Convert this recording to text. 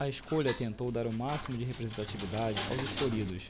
a escolha tentou dar o máximo de representatividade aos escolhidos